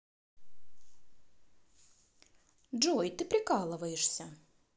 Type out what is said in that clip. джой ты прикалываешься